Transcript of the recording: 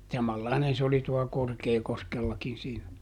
samanlainen se oli tuolla Korkeakoskellakin siinä